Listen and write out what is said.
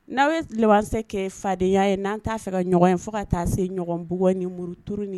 N'aw ye se kɛ fadenyaya ye n'an t'a fɛ ka ɲɔgɔn in fo ka taa se ɲɔgɔnug ni muru tuuruuni